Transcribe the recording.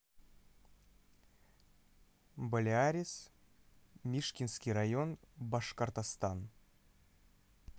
borealis мишкинский район башкортостан